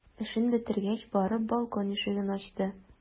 Эшен бетергәч, барып балкон ишеген ачты.